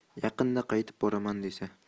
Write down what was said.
yaqinda qaytib boraman desa